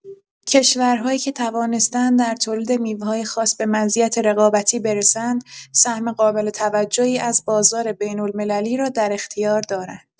کشورهایی که توانسته‌اند در تولید میوه‌های خاص به مزیت رقابتی برسند، سهم قابل توجهی از بازار بین‌المللی را در اختیار دارند.